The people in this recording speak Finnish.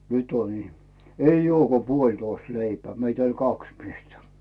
nyt on ihme ei ole kuin puolitoista leipää meitä oli kaksi miestä